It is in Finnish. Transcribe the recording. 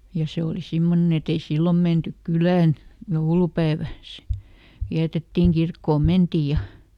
ja se oli semmoinen et ei silloin menty kylään joulupäivä sitten vietettiin kirkkoon mentiin ja